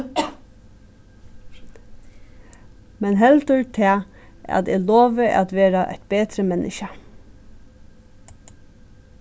men heldur tað at eg lovi at verða eitt betri menniskja